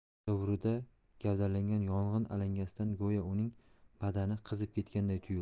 tasavvurida gavdalangan yong'in alangasidan go'yo uning badani qizib ketganday tuyuldi